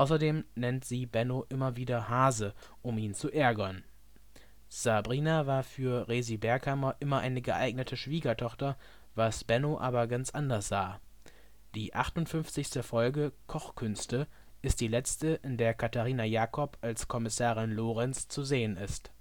Außerdem nennt sie Benno immer wieder „ Hase “, um ihn zu ärgern. Sabrina war für Resi Berghammer immer eine geeignete Schwiegertochter, was Benno aber ganz anders sah. Die 58. Folge, Kochkünste, ist die letzte, in der Katerina Jacob als Kommissarin Lorenz zu sehen ist